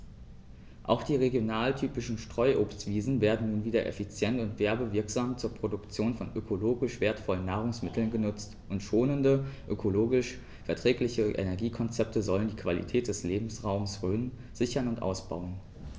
Auch die regionaltypischen Streuobstwiesen werden nun wieder effizient und werbewirksam zur Produktion von ökologisch wertvollen Nahrungsmitteln genutzt, und schonende, ökologisch verträgliche Energiekonzepte sollen die Qualität des Lebensraumes Rhön sichern und ausbauen.